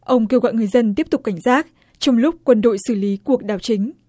ông kêu gọi người dân tiếp tục cảnh giác trong lúc quân đội xử lý cuộc đảo chính